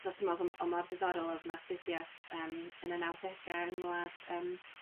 jyst 'di meddwl am... o mor ddiddorol odd 'na astudieth yym yn y nawdege yng ngwlad yym